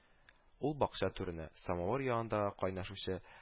Ул бакча түренә, самавыр янында кайнашучы